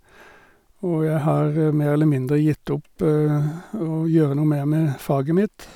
Og jeg har mer eller mindre gitt opp å gjøre noe mer med faget mitt.